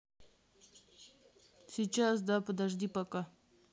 сейчас да подожди пока